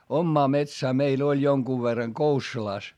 omaa metsään meillä oli jonkun verran Koussulassa